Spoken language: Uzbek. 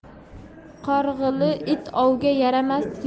qorg'ili it ovga yaramas